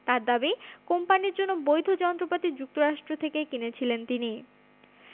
তাঁর দাবি কোম্পানির জন্য বৈধ যন্ত্রপাতি যুক্তরাষ্ট্র থেকে কিনেছিলেন তিনি